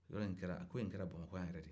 yɔrɔ in kɛra ko in kɛra bamakɔ yan yɛrɛ de